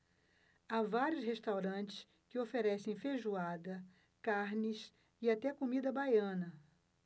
há vários restaurantes que oferecem feijoada carnes e até comida baiana